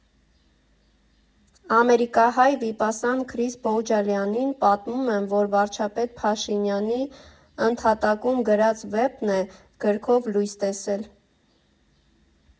Ամերիկահայ վիպասան Քրիս Բոհջալյանին պատմում եմ, որ վարչապետ Փաշինյանի՝ ընդհատակում գրած վեպն է գրքով լույս տեսել։